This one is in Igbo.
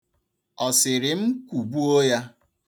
Ọ sịrị m kwubuo ya?